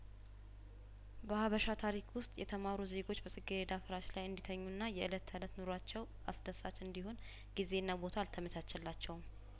በሀበሻ ታሪክ ውስጥ የተማሩ ዜጐች በጽጌ ረዳ ፍራሽ ላይ እንዲተኙና የእለት ተእለት ኑሮዎቻቸው አስደሳች እንዲሆን ጊዜና ቦታ አልተመቻቸላቸውም